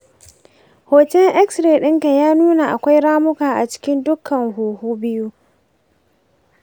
hoton x-ray ɗinka ya nuna akwai ramuka a cikin dukkan huhu biyu.